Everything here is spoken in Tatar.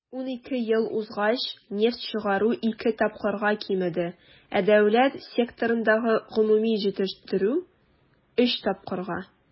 12 ел узгач нефть чыгару ике тапкырга кимеде, ә дәүләт секторындагы гомуми җитештерү - өч тапкырга.